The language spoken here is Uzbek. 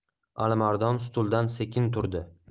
alimardon stuldan sekin turdi